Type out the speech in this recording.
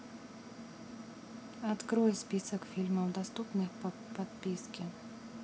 открой список фильмов доступных по подписке